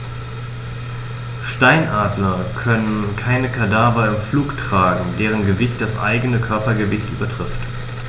Steinadler können keine Kadaver im Flug tragen, deren Gewicht das eigene Körpergewicht übertrifft.